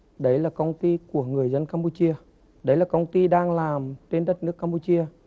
đấy là công ty của người dân cam pu chia đấy là công ty đang làm trên đất nước cam pu chia